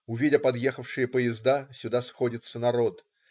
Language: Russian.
Увидя подъехавшие поезда, сюда сходится народ.